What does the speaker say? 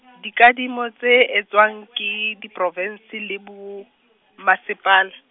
dikadimo tse etswang ke diprovinse le bo, Mmasepala.